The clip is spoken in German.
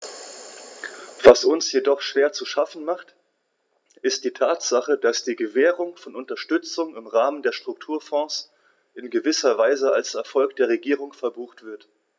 Was uns jedoch schwer zu schaffen macht, ist die Tatsache, dass die Gewährung von Unterstützung im Rahmen der Strukturfonds in gewisser Weise als Erfolg der Regierung verbucht wird.